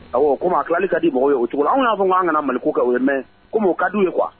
Ko tilali ka di mɔgɔw ye o cogo an y'a fɔ ko anan kana mali ka o mɛn ko ka di ye kuwa